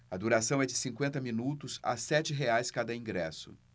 a duração é de cinquenta minutos a sete reais cada ingresso